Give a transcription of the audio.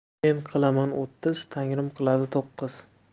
men qilaman o'ttiz tangrim qiladi to'qqiz